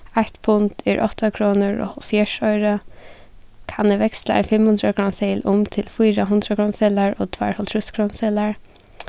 eitt pund er átta krónur og hálvfjerðs oyru kann eg veksla ein fimmhundraðkrónuseðil um til fýra hundraðkrónuseðlar og tveir hálvtrýsskrónuseðlar